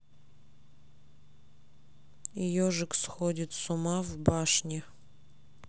ежик сходит с ума в башне